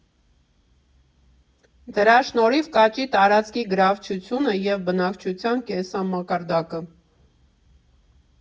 Դրա շնորհիվ կաճի տարածքի գրավչությունը և բնակչության կենսամակարդակը։